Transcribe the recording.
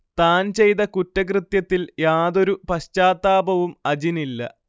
താൻ ചെയ്ത കുറ്റകൃത്യത്തിൽ യാതൊരു പശ്ചാത്താപവും അജിനില്ല